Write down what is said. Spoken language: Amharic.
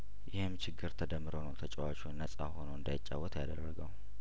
ይህም ችግር ተደምሮ ነው ተጫዋቹ ነጻ ሆኖ እንዳይጫወት ያደረገው